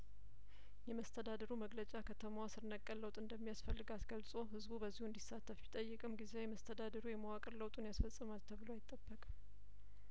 የመስተዳድሩ መግለጫ ከተማዋ ስር ነቀል ለውጥ እንደሚያስፈልጋት ገልጾ ህዝቡ በዚህ እንዲሳተፍ ቢጠይቅም ጊዜያዊ መስተዳድሩ የመዋቅር ለውጡን ያስፈጽማል ተብሎ አይጠበቅም